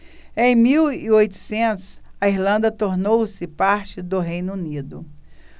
em mil e oitocentos a irlanda tornou-se parte do reino unido